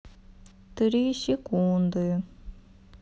три секунды